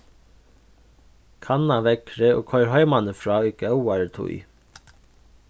kanna veðrið og koyr heimanífrá í góðari tíð